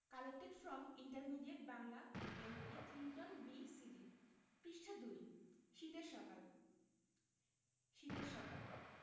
collected from intermediate Bangla Bengali Clinton B silly পৃষ্টা ২ শীতের সকাল শীতের সকাল